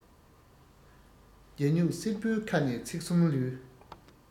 རྒྱ སྨྱུག སེར པོའི ཁ ནས ཚིག གསུམ ལུས